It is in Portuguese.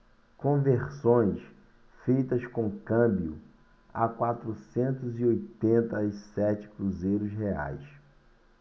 conversões feitas com câmbio a quatrocentos e oitenta e sete cruzeiros reais